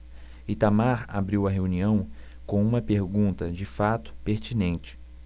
itamar abriu a reunião com uma pergunta de fato pertinente